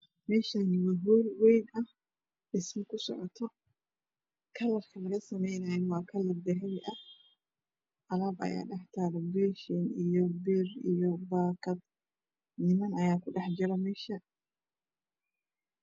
Meshani waa mel hol ah oo dhismo ku socoto kalarkuna waa dahabi alab ayaa dhex tala farij iyo bir iyo bakad niman ayaa ku dhex jira mesha